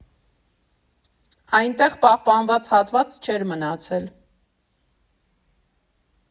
Այնտեղ պահպանված հատված չէր մնացել։